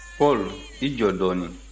paul i jɔ dɔɔnin